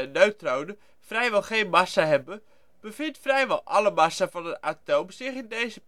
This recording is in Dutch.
neutronen vrijwel geen massa hebben, bevindt vrijwel alle massa van een atoom zich in deze